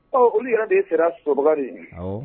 Ɔ olu yɛrɛ de sera sori ye